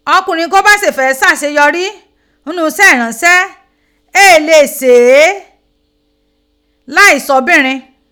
Okunrin ko ba fe se aseyori n nu ise iranse, e le e se laisi obinrin.